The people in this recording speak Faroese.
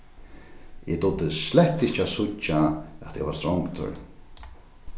og eg dugdi slett ikki at síggja at eg var strongdur